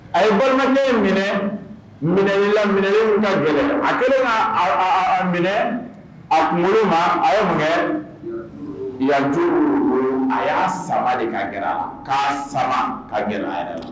A ye balimamɛ minɛ minɛla minɛ ka gɛlɛn a kɛlen' minɛ a kunkolo ma a ye mun yan a y'a sabali de ka g k'a sara ka g a